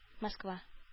Москва